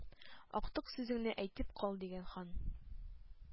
Актык сүзеңне әйтеп кал,— дигән хан.